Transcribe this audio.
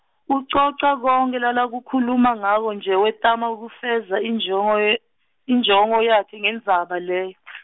Ucoca konkhe lalakhuluma ngako nje wetama kufeza injongo ye, injongo yakhe ngendzaba le .